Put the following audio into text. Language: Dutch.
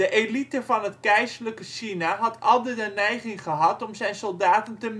elite van het keizerlijke China had altijd de neiging gehad om zijn soldaten te